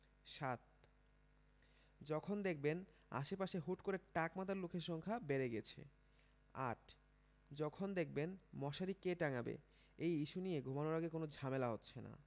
৭. যখন দেখবেন আশপাশে হুট করে টাক মাথার লোকের সংখ্যা বেড়ে গেছে ৮. যখন দেখবেন মশারি কে টাঙাবে এই ইস্যু নিয়ে ঘুমানোর আগে কোনো ঝামেলা হচ্ছে না